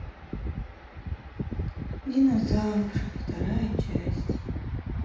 динозавр вторая часть